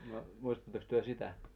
no muistattekos te sitä